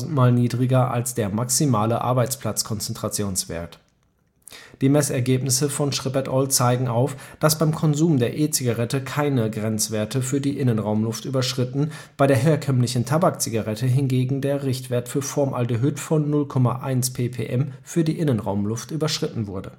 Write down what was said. Mal niedriger als der Maximale Arbeitsplatz-Konzentrations-Wert. Die Messergebnisse von Schripp et al. zeigen auf, dass beim Konsum der E-Zigarette keine Grenzwerte für die Innenraumluft überschritten, bei der herkömmlichen Tabakzigarette hingegen der Richtwert für Formaldehyd von 0,1 ppm für die Innenraumluft überschritten wurde